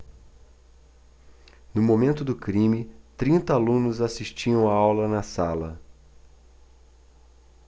no momento do crime trinta alunos assistiam aula na sala